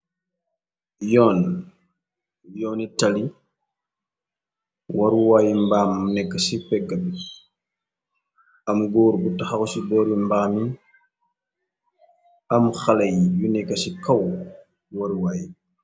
yoon yooni tali waruwaayi mbaam nekk ci pegga bi am góor bu taxax ci doori mbaami am xalé yi yu nekk ci kaw waruwaa yi